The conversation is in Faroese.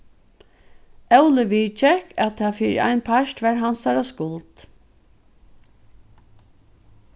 óli viðgekk at tað fyri ein part var hansara skuld